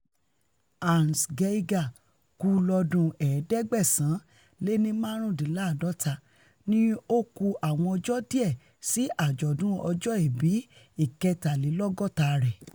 Hans'' Gieger kú lọ́dún 1945, ni ó kù àwọn ọjọ́ díẹ̀ sí àjọ̀dún ojọ́-ìbí ìkẹtàlélọ́gọ́ta rẹ̀.